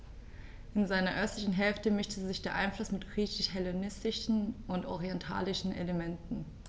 In seiner östlichen Hälfte mischte sich dieser Einfluss mit griechisch-hellenistischen und orientalischen Elementen.